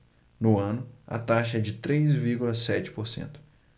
no ano a taxa é de três vírgula sete por cento